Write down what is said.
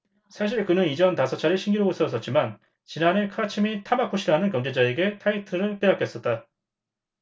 사실 그는 이전 다섯 차례 신기록을 세웠었지만 지난해 카츠미 타마코시라는 경쟁자에게 타이틀을 빼앗겼었다